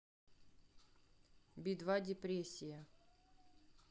би два депрессия